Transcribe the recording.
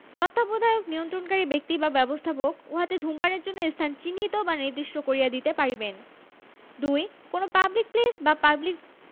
তত্ত্বাবধায়ক নিয়ন্ত্রণকারী ব্যক্তি বা ব্যবস্থাপক উহাতে ধূমপানের জন্য স্থান চিহ্নিত বা নির্দিষ্ট করিয়া দিতে পারিবেন ২ কোন পাবলিক প্লেস বা পাবলিক